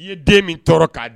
I ye den min tɔɔrɔ k'a